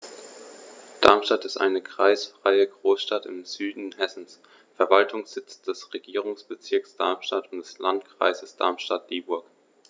Darmstadt ist eine kreisfreie Großstadt im Süden Hessens, Verwaltungssitz des Regierungsbezirks Darmstadt und des Landkreises Darmstadt-Dieburg.